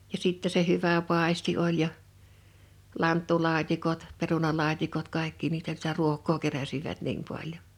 ja sitten se hyvä paisti oli ja lanttulaatikot perunalaatikot kaikki niitä sitä ruokaa keräsivät niin paljon